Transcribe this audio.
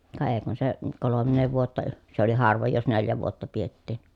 ka ei kun se kolmea vuotta se oli harvoin jos neljä vuotta pidettiin